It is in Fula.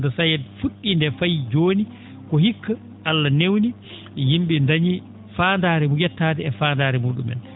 do SAED fu??ii ndee fayi jooni ko hikka Allah newni yim?e dañi faandaare yettaade e faandaare mu?umen nde